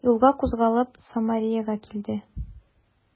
Юлга кузгалып, Самареяга килде.